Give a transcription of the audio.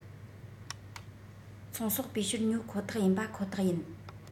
ཚོང ཟོག སྤུས ཞོར ཉོ ཁོ ཐག ཡིན པ ཁོ ཐག ཡིན